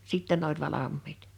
sitten ne oli valmiit